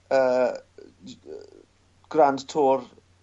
yy y gi yy Grand Tour